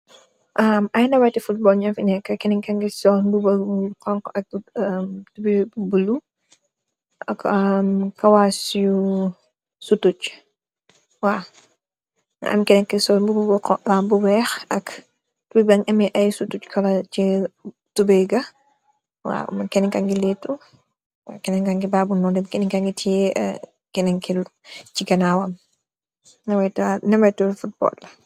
Am ay nawete footbool, ñu fi neekë, kenen kaa ngi sol mbuba bu xonk ak tubey bulu ak kawaas yu sutuc, waaw. Nga am kenen ki sol mbuba bu weex ak tuboy baa ngi am ay sutuc, Kolo tubey ga, waaw. Kenen kaa ngi lëëtu, waaw kenen ka ngi baabu noon. Kenen kaa ngi tiye em kenen kaa ngi tey si ganaawam.